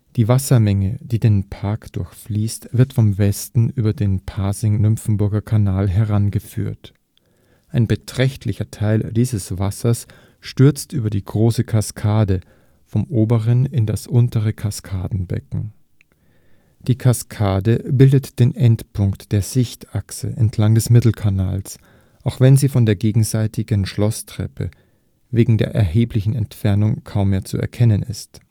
Die Wassermenge, die den Park durchfließt, wird von Westen über den Pasing-Nymphenburger Kanal herangeführt. Ein beträchtlicher Teil dieses Wassers stürzt über die Große Kaskade vom oberen in das untere Kaskadenbecken. Die Kaskade bildet den Endpunkt der Sichtachse entlang des Mittelkanals, auch wenn sie von der gartenseitigen Schlosstreppe wegen der erheblichen Entfernung kaum mehr zu erkennen ist